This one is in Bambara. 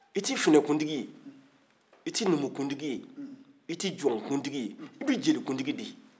i tɛ finɛkuntigi ye i tɛ numukuntigi ye i tɛ jɔnkuntigi ye i tɛ jelikuntigi de ye